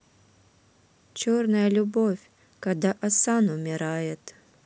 черная любовь когда асан умирает